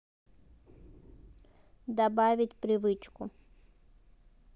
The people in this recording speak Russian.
добавить привычку